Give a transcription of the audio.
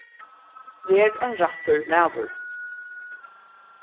ver ein rættur maður